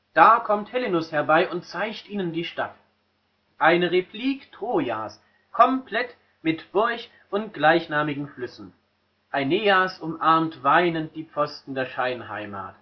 Da kommt Helenus herbei und zeigt ihnen die Stadt: eine Replik Trojas, komplett mit Burg und gleichnamigen Flüssen. Aeneas umarmt weinend die Pfosten der Scheinheimat